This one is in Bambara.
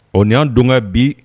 O ni an don ka bi